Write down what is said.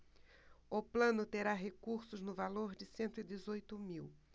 o plano terá recursos no valor de cento e dezoito mil